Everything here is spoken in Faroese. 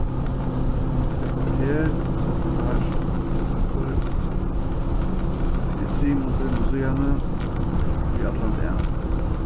um tvey korter seinnapart eftir fyri trimum tímum síðani í allan dag